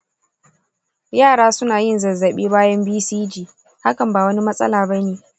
yara suna yin zazzabi bayan bcg, hakan ba wani matsala bane.